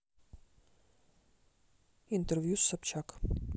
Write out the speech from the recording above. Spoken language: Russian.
интервью с собчак